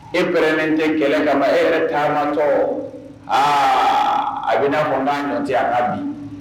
E bɛrɛnnen tɛ kɛlɛ ka e yɛrɛ taamatɔ aa a bɛnaa fɔ n'a ɲɔ cɛ a kan bi